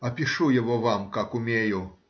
Опишу его вам как умею